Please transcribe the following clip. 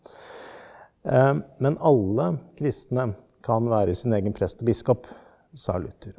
men alle kristne kan være sin egen prest og biskop, sa Luther.